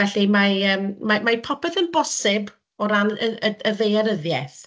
felly mae yym mae mae popeth yn bosib o ran y y y ddaearyddiaeth.